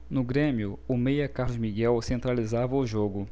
no grêmio o meia carlos miguel centralizava o jogo